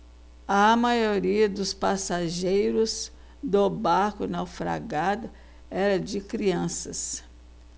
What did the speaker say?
a maioria dos passageiros do barco naufragado era de crianças